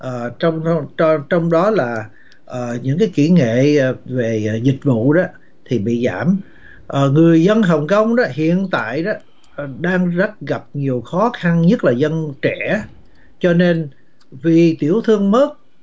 ờ trong trong trong đó là ở những cái kỹ nghệ về dịch vụ đó thì bị giảm ờ người dân hồng công đó hiện tại đó đang rất gặp nhiều khó khăn nhất là dân trẻ cho nên vì tiểu thương mất